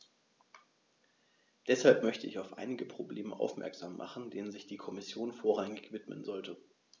Deshalb möchte ich auf einige Probleme aufmerksam machen, denen sich die Kommission vorrangig widmen sollte.